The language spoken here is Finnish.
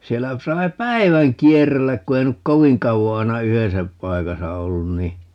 siellä kun sai päivän kierrellä kun ei nyt kovin kauan aina yhdessä paikassa ollut niin